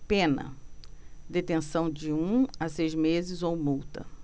pena detenção de um a seis meses ou multa